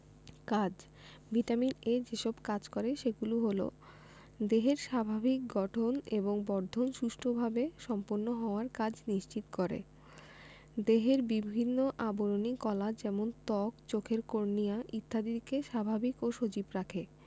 কাজ vitamin A যেসব কাজ করে সেগুলো হলো ১. দেহের স্বাভাবিক গঠন এবং বর্ধন সুষ্ঠুভাবে সম্পন্ন হওয়ার কাজ নিশ্চিত করে ২. দেহের বিভিন্ন আবরণী কলা যেমন ত্বক চোখের কর্নিয়া ইত্যাদিকে স্বাভাবিক ও সজীব রাখে